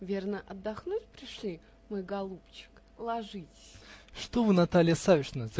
верно, отдохнуть пришли, мой голубчик? ложитесь. -- Что вы, Наталья Савишна?